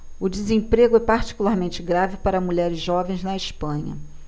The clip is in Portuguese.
o desemprego é particularmente grave para mulheres jovens na espanha